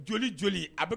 Joli joli